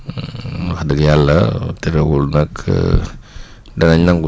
wax dëgg yàlla terewul nag danañ nangu